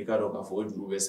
I k'a dɔn k ka fɔ juru bɛ san